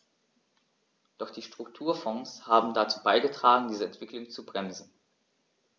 Doch die Strukturfonds haben dazu beigetragen, diese Entwicklung zu bremsen.